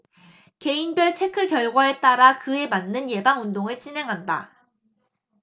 개인별 체크 결과에 따라 그에 맞는 예방 운동을 진행한다